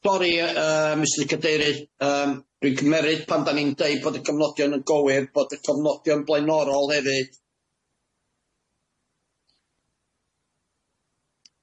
Sori yy yy Mistar Cadeirydd yym dwi'n cymeryd pan 'dan ni'n deud bod y cofnodion yn gywir bod y cofnodion blaenorol hefyd.